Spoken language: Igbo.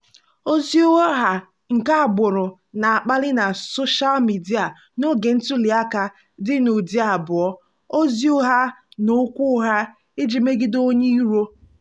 Ozi ụgha nke agbụrụ na-akpali na soshaa midịa n'oge ntụliaka dị n'ụdị abụọ: ozi ụgha na okwu ugha iji megide onye iro.